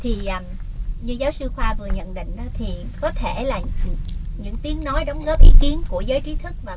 thì như giáo sư pha vừa nhận định đó thì có thể là những tiếng nói đóng góp ý kiến của giới trí thức